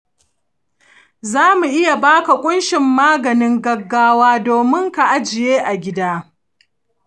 za mu iya ba ka kunshin magungunan gaggawa domin ka ajiye a gida.